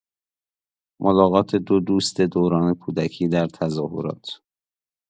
ملاقات دو دوست دوران کودکی در تظاهرات